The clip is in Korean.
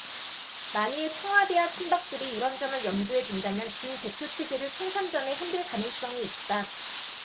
만일 청와대와 친박들이 이런 점을 염두에 둔다면 김 대표 체제를 총선 전에 흔들 가능성이 있다